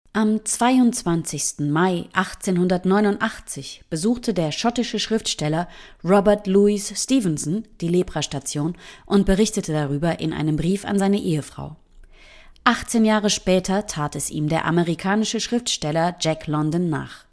Am 22. Mai 1889 besuchte der schottische Schriftsteller Robert Louis Stevenson die Leprastation und berichtete darüber in einem Brief an seine Ehefrau. 18 Jahre später tat es ihm der amerikanische Schriftsteller Jack London nach